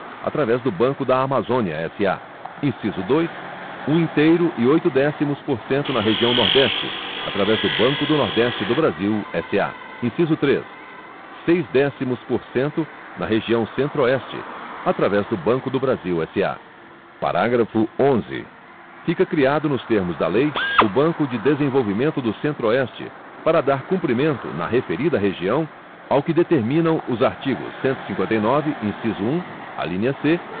através do banco da amazônia sa inciso dois um inteiro e oito décimos por cento na região nordeste através do banco do nordeste do brasil sa inciso três seis décimos por cento na região centro oeste através do banco do brasil sa parágrafo onze fica criado nos termos da lei o banco de desenvolvimento do centro oeste para dar cumprimento na referida região ao que determinam os artigos cento e cinquenta e nove inciso um alínea c